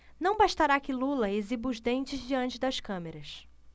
não bastará que lula exiba os dentes diante das câmeras